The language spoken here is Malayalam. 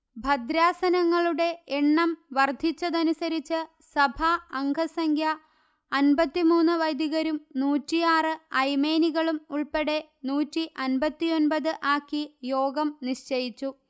ഭദ്രാസനങ്ങളുടെ എണ്ണം വർദ്ധിച്ചതനുസരിച്ച് സഭാ അംഗസംഖ്യ അന്പത്തിമൂന്ന്വൈദികരും നൂറ്റിയാറ് അയ്മേനികളും ഉൾപ്പെടെ നൂറ്റി അന്പത്തിയൊന്പത് ആക്കി യോഗം നിശ്ചയിച്ചു